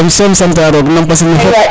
jam som sant a roog nam mbasil ne fop